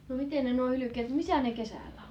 no miten ne nuo hylkeet missä ne kesällä on